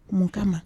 Mun kama